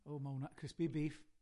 Ww, ma' hwnna, crispy beef.